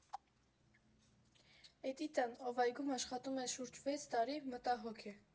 Էդիտան, ով այգում աշխատում է շուրջ վեց տարի, մտահոգ է.